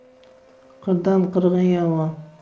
qirqdan qirg'in yomon